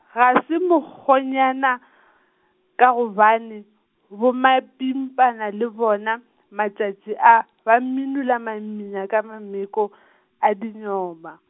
ga se mokhoranyana , ka gobane, ho bomapimpana le bona, matšatši a, ba minola mamina ka mameko , a dinyoba.